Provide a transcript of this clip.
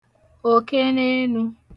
òkeneenū